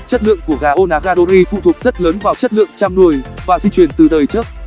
chất lượng của gà onagadori phụ thuộc rất lớn vào chất lượng chăm nuôi và di truyền từ đời trước